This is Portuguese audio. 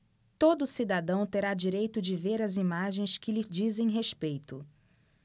todo cidadão terá direito de ver as imagens que lhe dizem respeito